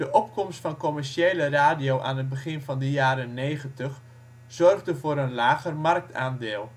opkomst van commerciële radio aan het begin van de jaren negentig zorgde voor een lager marktaandeel